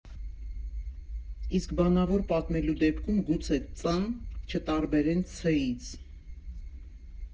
Իսկ բանավոր պատմելու դեպքում գուցե Ծ֊ն չտարբերեն Ց֊ից։